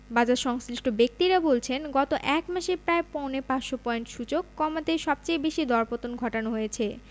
বাজারসংশ্লিষ্ট ব্যক্তিরা বলছেন গত এক মাসে প্রায় পৌনে ৫০০ পয়েন্ট সূচক কমাতে সবচেয়ে বেশি দরপতন ঘটানো হয়েছে